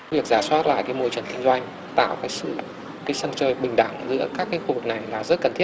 việc rà soát lại cái môi trường kinh doanh tạo sự kịch sân chơi bình đẳng giữa các khu vực này là rất cần thiết